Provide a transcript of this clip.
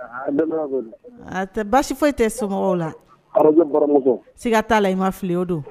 A tɛ baasi foyi tɛ so la siiga ka t'a la i mafilen o don